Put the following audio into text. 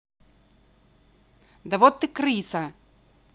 да вот ты крыса